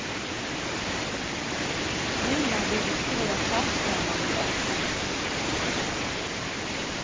una vil ikki verða sædd saman við okkum